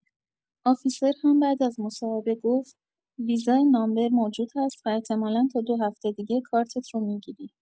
آفیسر هم بعد از مصاحبه گفت ویزا نامبر موجود هست و احتمالا تا دو هفته دیگه کارتت رو می‌گیری.